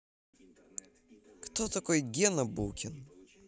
кто такой гена букин